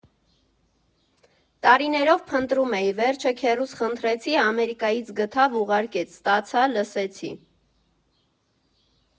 Տարիներով փնտրում էի, վերջը քեռուս խնդրեցի, Ամերիկայից գտավ, ուղարկեց, ստացա, լսեցի։